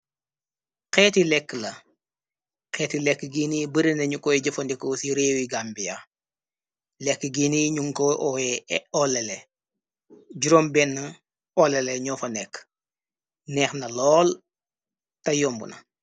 Xeeti lekk la xeeti lekk giini bere nañu koy jëfandiko ci réew yi gambia lekk gini ñyug koi oyeh olele jurombenna olele ñoo fa nekk neexna lool ta yombuna.